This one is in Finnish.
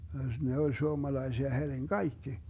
ne oli suomalaisia herin kaikki